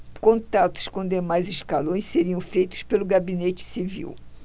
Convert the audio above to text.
contatos com demais escalões seriam feitos pelo gabinete civil